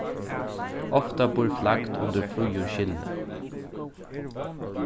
ofta býr flagd undir fríðum skinni